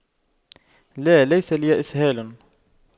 لا ليس لي إسهال